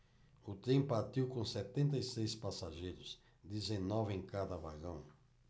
o trem partiu com setenta e seis passageiros dezenove em cada vagão